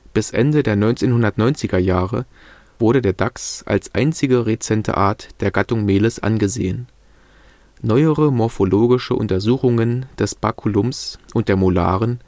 Bis Ende der 1990er Jahre wurde der Dachs als einzige rezente Art der Gattung Meles angesehen. Neuere morphologische Untersuchungen des Baculums und der Molaren